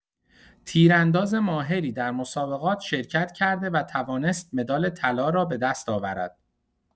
تیرانداز ماهری در مسابقات شرکت کرده و توانست مدال طلا را به دست آورد.